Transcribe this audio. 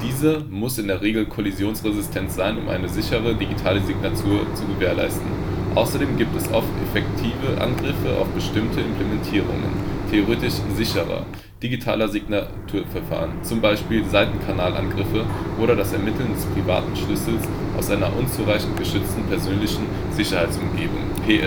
Diese muss in der Regel kollisionsresistent sein, um eine sichere digitale Signatur zu gewährleisten. Außerdem gibt es oft effektive Angriffe auf bestimmte Implementierungen (theoretisch sicherer) digitaler Signaturverfahren, z. B. Seitenkanal-Angriffe oder das Ermitteln des privaten Schlüssels aus einer unzureichend geschützten persönlichen Sicherheitsumgebung (PSE